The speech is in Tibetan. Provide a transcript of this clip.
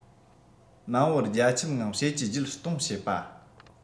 མ འོངས པར རྒྱ ཁྱབ ངང བྱེད ཀྱི བརྒྱུད གཏོང བྱེད པ